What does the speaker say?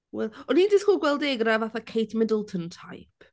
Will o'n i'n disgwyl gweld e gyda fatha Kate Middleton type.